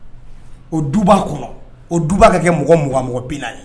O duba o duba ka kɛ mɔgɔ mɔgɔ mɔgɔ binna ye